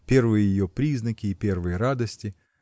первые ее признаки и первые радости.